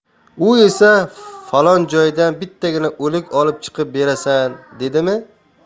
u esa falon joydan bittagina o'lik olib chiqib berasan dedimi